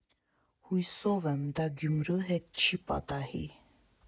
Հուսով եմ՝ դա Գյումրու հետ չի պատահի։